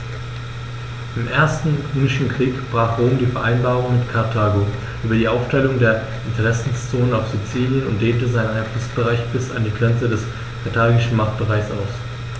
Im Ersten Punischen Krieg brach Rom die Vereinbarung mit Karthago über die Aufteilung der Interessenzonen auf Sizilien und dehnte seinen Einflussbereich bis an die Grenze des karthagischen Machtbereichs aus.